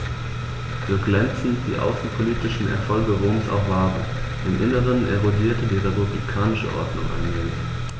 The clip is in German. So glänzend die außenpolitischen Erfolge Roms auch waren: Im Inneren erodierte die republikanische Ordnung allmählich.